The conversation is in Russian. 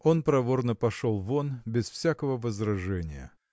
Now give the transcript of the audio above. Он проворно пошел вон, без всякого возражения.